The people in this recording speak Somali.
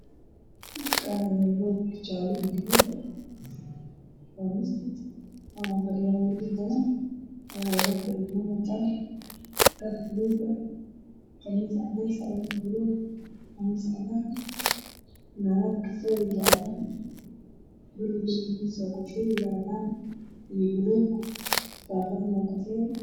Waa masaajid waxaa fadhiya wiilal waxey wataan kitaabo